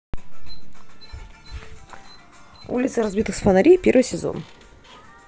улицы разбитых фонарей первый сезон